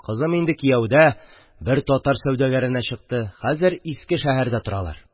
Кызым инде кияүдә, бер татар сәүдәгәренә чыкты, хәзер Искешәһәрдә торалар